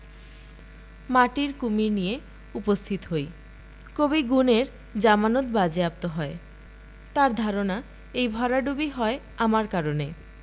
মাটির কুমীর নিয়ে উপস্থিত হই কবি গুণের জামানত বাজেয়াপ্ত হয় তাঁর ধারণা এই ভরাডুবি হয় আমার কারণে